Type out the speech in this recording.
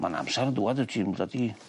ma'n amsar yn dŵad y gym blydi...